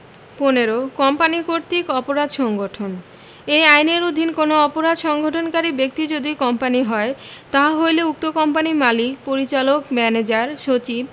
১৫ company কর্র্তক অপরাধ সংঘটনঃ এই আইনের অধীন কোন অপরাধ সংঘটনকারী ব্যক্তি যদি কোম্পানী হয় তাহা হইলে উক্ত কোম্পানীর মালিক পরিচালক ম্যানেজার সচিব